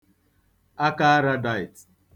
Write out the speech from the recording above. akaaradaị̀t